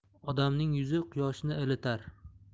odamning yuzi quyoshni ilitar